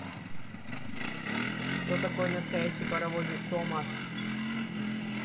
кто такой настоящий паровозик томас